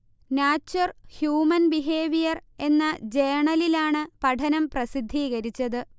'nature human behaviour' എന്ന ജേണലിലാണ് പഠനം പ്രസിദ്ധീകരിച്ചത്